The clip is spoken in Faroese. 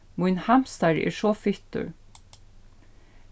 mín hamstrari er so fittur